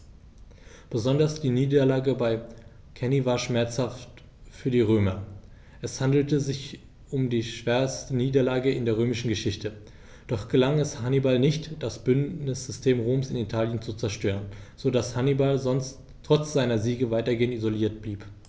Besonders die Niederlage bei Cannae war schmerzhaft für die Römer: Es handelte sich um die schwerste Niederlage in der römischen Geschichte, doch gelang es Hannibal nicht, das Bündnissystem Roms in Italien zu zerstören, sodass Hannibal trotz seiner Siege weitgehend isoliert blieb.